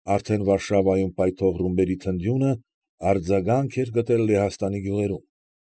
Արդեն Վարշավայում պայթող ռումբերի թնդյունը արձագանք էր գտել Լեհաստանի գյուղերում։